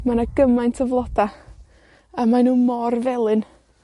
Ma' 'na gymaint o floda, a mae nw mor felyn.